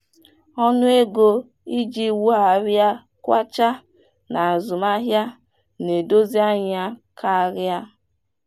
Ọnụ ego ịjị wugharịa Kwacha n'azụmụahịa na-edozi anya karịa.